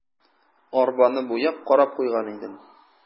Арбаны буяп, карап куйган идем.